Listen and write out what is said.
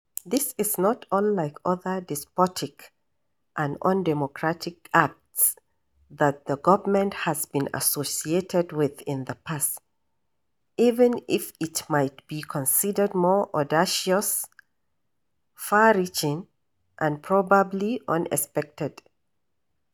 This is not unlike other despotic and undemocratic acts that the government has been associated with in the past, even if it might be considered more audacious, far-reaching and probably unexpected.